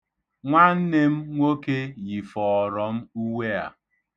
Nwanne m nwoke yifọọrọ m uwe a.